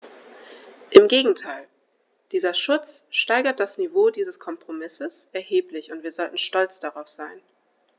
Im Gegenteil: Dieser Schutz steigert das Niveau dieses Kompromisses erheblich, und wir sollten stolz darauf sein.